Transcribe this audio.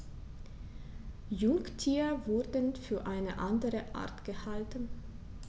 Jungtiere wurden für eine andere Art gehalten.